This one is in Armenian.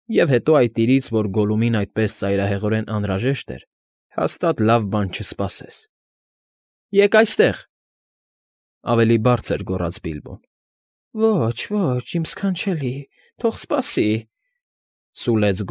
Եվ հետո այդ իրից, որ Գոլլումին այդպես ծայրահեղորեն անհրաժեշտ էր, հաստատ լավ բան չսպասես։ ֊ Եկ այստեղ,֊ ավելի բարձր գոռաց Բիլբոն։ ֊ Ոչ, ոչ, իմ ս֊ս֊սքանչելի, թող ս֊ս֊սպասի,֊ սուլեց։